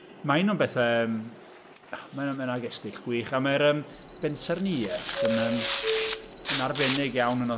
Maen nhw'n bethau yym... mae 'na... mae 'na gestyll gwych a mae'r yym bensarniaeth yn yym arbennig iawn yno.